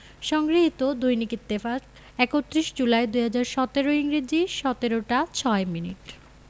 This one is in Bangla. সংগৃহীত দৈনিক ইত্তেফাক ৩১ জুলাই ২০১৭ ইংরেজি ১৭ টা ৬ মিনিট